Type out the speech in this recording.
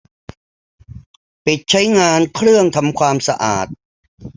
ปิดใช้งานเครื่องทำความสะอาด